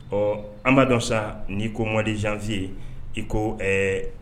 Ɔɔ an b'a dɔn sa n'i ko mois de janvier i ko ɛɛ